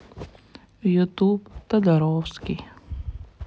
ютуб тодоровский